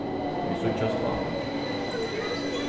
vit síggjast tá